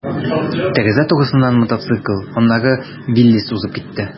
Тәрәзә турысыннан мотоцикл, аннары «Виллис» узып китте.